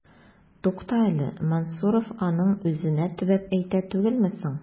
Тукта әле, Мансуров аның үзенә төбәп әйтә түгелме соң? ..